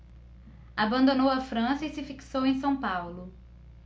abandonou a frança e se fixou em são paulo